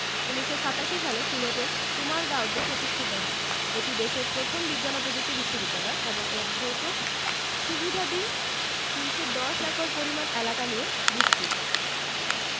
১৯৮৭ সালে সিলেটের কুমারগাঁওতে প্রতিষ্ঠিত হয় এটি দেশের প্রথম বিজ্ঞান ও প্রযুক্তি বিশ্ববিদ্যালয় এবং এর ভৌত সুবিধাদি ৩১০ একর পরিমাণ এলাকা নিয়ে বিস্তৃত